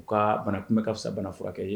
U ka bana ku bɛ ka fisa bana furakɛ ye